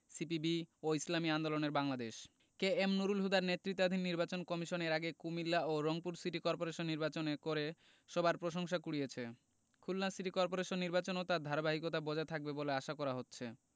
CPB ও ইসলামী আন্দোলনের বাংলাদেশ কে এম নুরুল হুদার নেতৃত্বাধীন নির্বাচন কমিশন এর আগে কুমিল্লা ও রংপুর সিটি করপোরেশন নির্বাচন করে সবার প্রশংসা কুড়িয়েছে খুলনা সিটি করপোরেশন নির্বাচনেও তার ধারাবাহিকতা থাকবে বলে আশা করা হচ্ছে